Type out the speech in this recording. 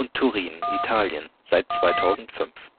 Turin, Italien (seit 2005